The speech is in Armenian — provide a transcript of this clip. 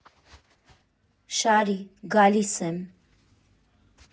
«Շարի, գալիս եմ»։